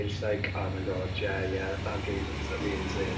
She's like "oh my god, yeah yeah, that game was amazing".